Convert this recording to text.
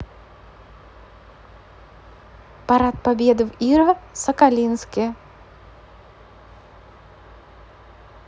парад победы в iro сахалинске